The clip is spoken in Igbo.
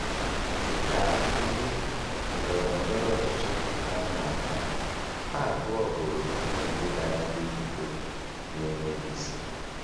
Dị ka ndị ndọrọ ndọrọ ọchịchị na-ama aka, ha abụọ boro gọọmentị gara aga ebubo na-enweghị isi.